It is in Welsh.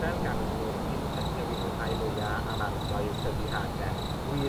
Fel garddiwr un o'r pethe wi mwynhau mwya am arddio yw tyfu hade. Wir